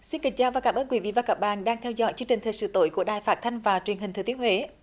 xin kính chào và cảm ơn quý vị và các bạn đang theo dõi chương trình thời sự tối của đài phát thanh và truyền hình thời tiết huế